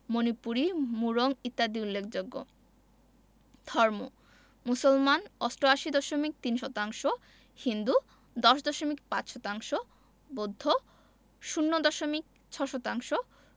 মণিপুরী মুরং ইত্যাদি উল্লেখযোগ্য ধর্ম মুসলমান ৮৮দশমিক ৩ শতাংশ হিন্দু ১০দশমিক ৫ শতাংশ বৌদ্ধ ০ দশমিক ৬ শতাংশ